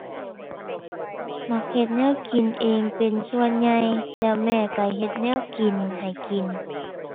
มักเฮ็ดแนวกินเองเป็นส่วนใหญ่ แล้วแม่ก็เฮ็ดแนวกินให้กิน